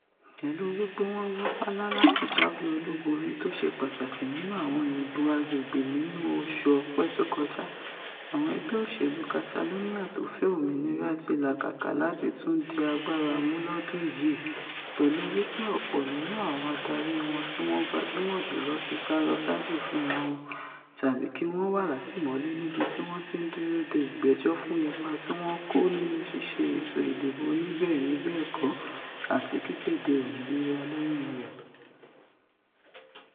Pẹ̀lú wí pé wọ́n rápálá láti jáwé olúborí tóṣe pàtakì nínú àwọn ìbò agbègbè̀̀ nínú oṣù Ọpẹ́ tó kọjá, àwọn ẹgbẹ́ òṣèlú Catalonia tófẹ́ òmìnira ti làkàkà láti tún di agbára mú lọ́dún yìí p̀ẹlú wí pé ọ̀pọ̀ nínú àwọn adarí wọn tí wọ́n gbajúmọ̀ jùlọ ti sálọ lọ sájò fúnrawọn tàbí kí wọ́n wà látìmọ́lé nibiti wọn tí ń dúró dé ìgbẹ́jọ́ fún ipa ti wọ́n kó nínú ṣíṣe ètò ìdìbò oníbẹ́ẹ̀ni-bẹ́ẹ̀kọ́ àti kíkéde òmìnira lẹ́yìn rẹ̀.